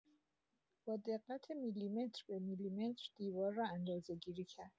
با دقت میلی‌متر به میلی‌متر دیوار را اندازه‌گیری کرد.